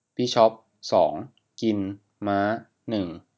บิชอปสองกินม้าหนึ่ง